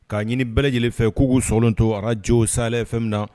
K'a ɲini bɛɛ lajɛlen fɛ k'u'u sogolon to a joo sa fɛ min na